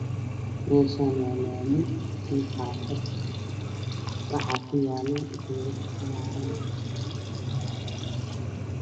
Meshaan waa lami iyo xafad waxaa ku yaalo geed cagaran